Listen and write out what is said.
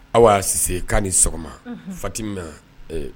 Aw y'a sise kaana' ni sɔgɔma fati min ɛɛ